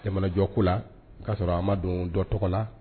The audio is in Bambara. Jamanajɔ la'a sɔrɔ a ma don dɔ tɔgɔ la